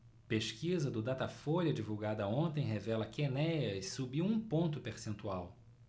pesquisa do datafolha divulgada ontem revela que enéas subiu um ponto percentual